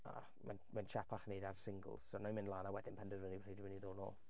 A mae'n mae'n tsiepach wneud e ar singles, so wna i mynd lan a wedyn penderfynnu pryd dwi'n mynd i ddod nol.